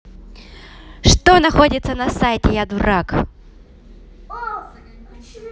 что находится на сайте я дурак